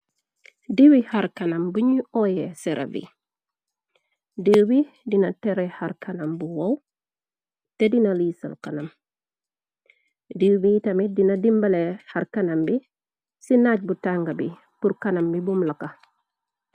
Diiwi har kanam bu ñu oye serabi. diiw bi dina tere harkanam bu wow te dina liisal kanam. Diiw bi tamit dina dimbale har kanam bi, ci naaj bu tàng bi pur kanam bi buum laka.